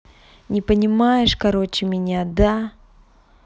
не понимаешь короче меня да